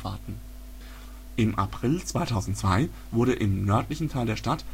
2002 wurde im nördlichen Teil der Stadt